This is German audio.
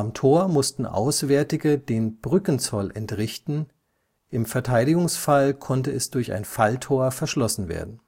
Tor mussten Auswärtige den Brückenzoll entrichten, im Verteidigungsfall konnte es durch ein Falltor verschlossen werden